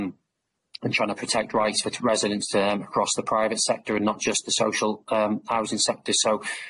Um and trying to protect rights for residents um across the private sector and not just the social um housing sector so.